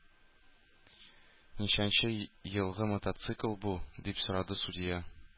Ничәнче елгы мотоцикл бу? – дип сорады судья.